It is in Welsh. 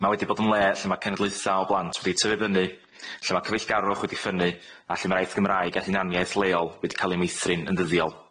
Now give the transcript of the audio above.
Ma' wedi bod yn le lle ma' cenedlaetha o blant wedi tyfu fyny, lle ma' cyfeillgarwch wedi ffynnu, a lle ma'r iaith Gymraeg a hunaniaeth leol wedi ca'l ei meithrin yn ddyddiol.